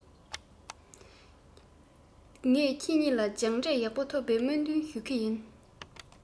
ངས ཁྱེད གཉིས ལ སྦྱངས འབྲས ཡག པོ ཐོབ པའི སྨོན འདུན ཞུ གི ཡིན